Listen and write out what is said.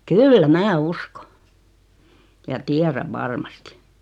kyllä minä uskon ja tiedän varmasti